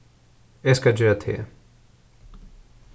eg skal gera te